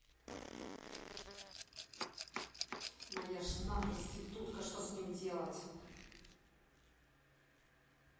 моя жена проститутка что с ним сделать